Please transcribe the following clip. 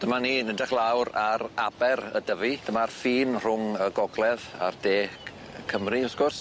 Dyma ni'n edrych lawr ar aber y Dyfi dyma'r ffin rhwng y Gogledd a'r De C- yy Cymru wrth gwrs.